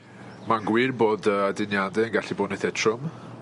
Ma'n gwir bod yy aduniade yn gallu bod 'n eitha trwm